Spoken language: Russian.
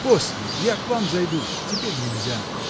После, я к вам зайду, теперь нельзя.